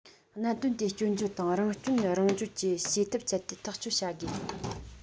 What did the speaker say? གནད དོན དེ སྐྱོན བརྗོད དང རང སྐྱོན རང བརྗོད ཀྱི བྱེད ཐབས སྤྱད དེ ཐག གཅོད དགོས